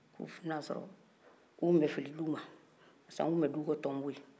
u tun bɛn'a sɔrɔ u tun bɛ fili du ma barisa n tun bɛ du kɛ tonbo ye